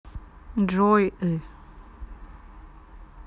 joy ы